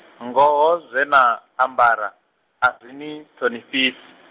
ngoho zwena, ambara, a zwi ni, ṱhonifhisi.